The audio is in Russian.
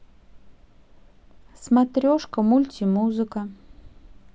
сматрешка мультимузыка